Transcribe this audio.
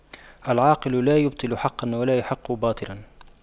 العاقل لا يبطل حقا ولا يحق باطلا